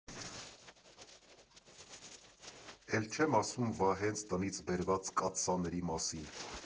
Էլ չեմ ասում Վահեենց տնից բերված կաթսաների մասին։